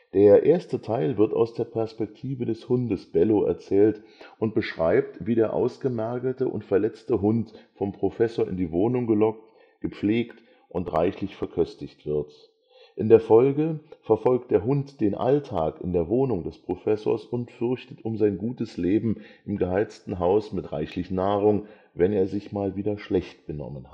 erste Teil wird aus der Perspektive des Hundes Bello erzählt und beschreibt, wie der ausgemergelte und verletzte Hund vom Professor in die Wohnung gelockt, gepflegt und reichlich verköstigt wird. In der Folge verfolgt der Hund den Alltag in der Wohnung des Professors und fürchtet um sein gutes Leben im geheizten Haus mit reichlich Nahrung, wenn er sich mal wieder schlecht benommen